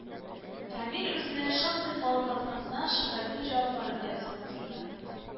Рәмил үзенең шактый калын блокнотына Шөһрәтнең «җавапларын» язып утырды